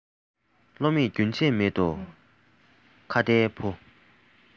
བློ མེད རྒྱུན ཆད མེད དོ ཁྭ ཏའི བུ